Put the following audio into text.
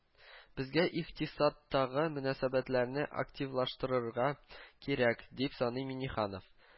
Безгә икътисадтагы мөнәсәбәтләрне активлаштырырга кирәк, - дип саный миңнеханов